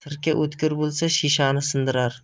sirka o'tkir bo'lsa shishani sindirar